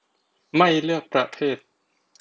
ไม่เลือกประเภท